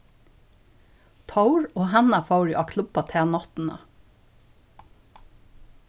tór og hanna fóru á klubba ta náttina